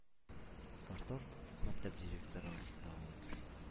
Парторг мәктәп директоры да ул